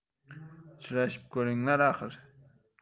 uchrashib ko'ringlar axir